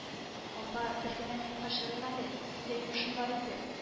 Апа, бер генә минутка чыгыйк әле, синдә йомышым бар иде